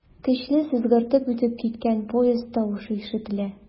Көчле сызгыртып үтеп киткән поезд тавышы ишетелә.